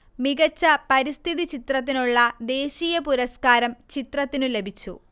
മികച്ച പരിസ്ഥിതി ചിത്രത്തിനുള്ള ദേശീയപുരസ്കാരം ചിത്രത്തിനു ലഭിച്ചു